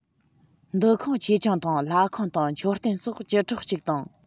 འདུ ཁང ཆེ ཆུང དང ལྷ ཁང དང མཆོད རྟེན སོགས བཅུ ཕྲག གཅིག དང